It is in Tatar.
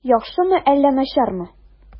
Яхшымы әллә начармы?